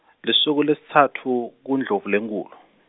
lusuku lwesitsatfu kuNdlovulenkhulu.